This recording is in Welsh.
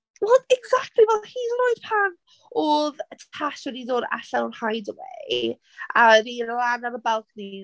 Wel exactly fel hyd yn oed pan oedd Tash wedi dod allan o'r hideaway a oedd hi lan ar y balcony...